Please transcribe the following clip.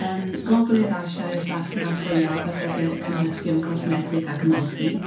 Yym Gogledd Asia yw'r farchnad fwyaf ar gyfer cynhyrchion cosmetig ac ymolchi.